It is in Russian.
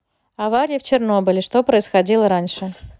аварии в чернобыле что происходило раньше